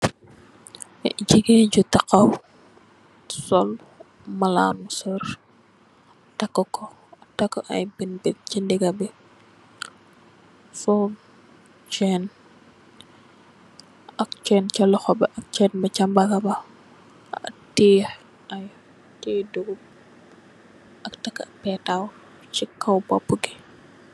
Jigeen ju tahaw sol malano serr tako ko taka aye bin bin si dega bi sol chen ak chen si loho bi akk aye pertaw si bopa bi.